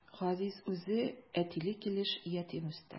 Газиз үзе әтиле килеш ятим үсте.